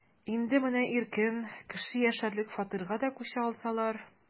Инде менә иркен, кеше яшәрлек фатирга да күчә алсалар...